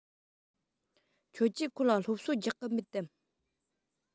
ཁྱོད ཀྱིས ཁོ ལ སློབ གསོ རྒྱག གི མེད དམ